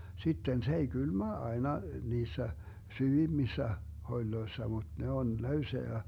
sitten se ei kylmä aina niissä syvimmissä holeissa mutta ne on löysää ja